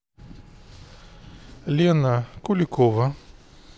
лена куликова